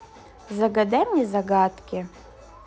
загадай мне загадки